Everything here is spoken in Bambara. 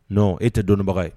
Dɔn e tɛ donbagaw ye